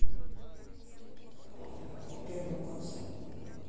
первый класс